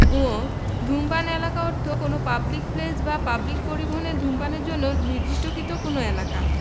ঙ ধূমপান এলাকা অর্থ কোন পাবলিক প্লেস বা পাবলিক পরিবহণে ধূমপানের জন্য নির্দিষ্টকৃত কোন এলাকা